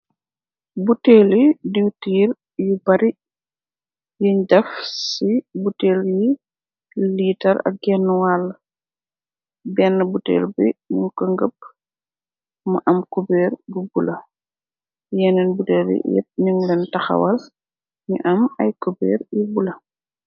Butèèl li diw tir yu barri yun def ci butèèl li litar ak genuwala. Benna butèèl bi ñing ko ngàp mu am kupeer gu bula. Yenen butèèl yi yep ñing lèèn taxawal ñi am ay kupeer yu bula.